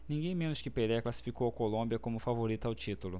ninguém menos que pelé classificou a colômbia como favorita ao título